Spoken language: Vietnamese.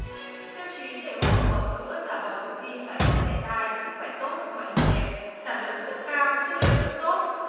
tiêu chí để hậu bò sữa là bò dự thi phải có thẻ tai sức khỏe tốt ngoại hình đẹp sản lượng sữa cao chất lượng sữa tốt